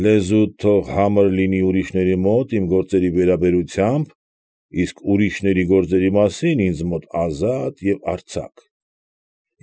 Լեզուդ թող համր լինի ուրիշների մոտ իմ գործերի վերաբերությամբ, իսկ ուրիշների գործերի մասին ինձ մոտ ազատ և արձակ։